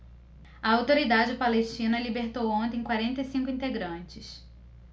a autoridade palestina libertou ontem quarenta e cinco integrantes